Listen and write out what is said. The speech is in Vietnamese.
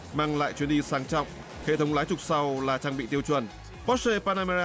mang lại chuyến đi sang trọng hệ thống lái trục sau là trang bị tiêu chuẩn pót sê pa ra me ra